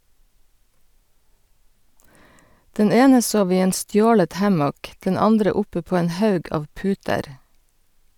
Den ene sov i en stjålet hammock, den andre oppe på en haug av puter.